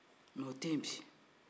mais o tɛ in bi